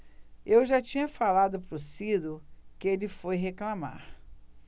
eu já tinha falado pro ciro que ele foi reclamar